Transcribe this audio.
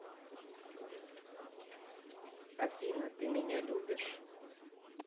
афина ты меня любишь